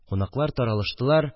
Кунаклар таралыштылар